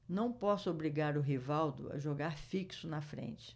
não posso obrigar o rivaldo a jogar fixo na frente